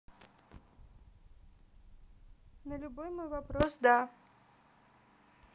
на любой мой вопрос да